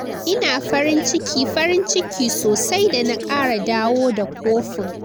Ina farin ciki, farin ciki sosai da na kara dawo da kofin.